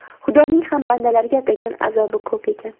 xudoning ham bandalariga atagan azobi ko'p ekan